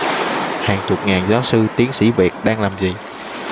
hàng chục ngàn giáo sư tiến sĩ việt đang làm gì